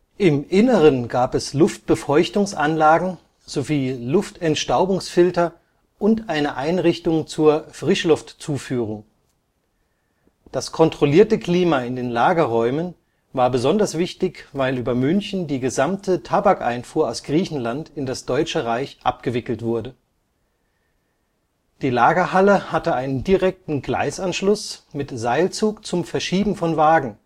Im Inneren gab es Luftbefeuchtungsanlagen, sowie Luftentstaubungsfilter und eine Einrichtung zur Frischluftzuführung. Das kontrollierte Klima in den Lagerräumen war besonders wichtig, weil über München die gesamte Tabakeinfuhr aus Griechenland in das Deutsche Reich abgewickelt wurde. Die Lagerhalle hatte einen direkten Gleisanschluss mit Seilzug zum Verschieben von Wagen